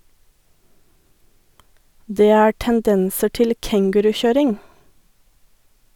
- Det er tendenser til "kengurukjøring".